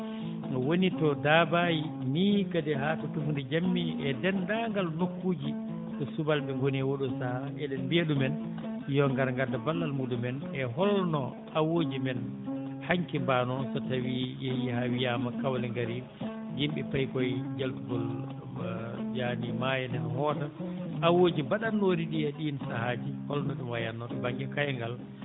woni to Dabayi ni kadi haa to Tufnde Diammily e denndaangal nokkuuji to subalɓe ngoni e oo ɗoo sahaa eɗen mbiya ɗumen yo ngar ngadda ballal muɗumen e holno awooji men hanki mbaanoo so tawii yahiii haa wiyaama kawle ngarii yimɓe payi koye jaltugol yani maayo na hoota awooji mbaɗatnooɗi ɗii e ɗiin sahaaji holno ɗi wayatnoo to baŋnge kaygal